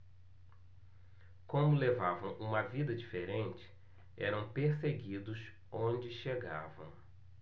como levavam uma vida diferente eram perseguidos onde chegavam